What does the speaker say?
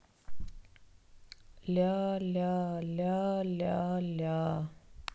ля ля ля ля ля